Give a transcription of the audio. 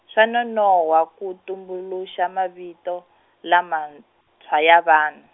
swa nonohwa ku tumbuluxa mavito lamantshwa, ya vanhu.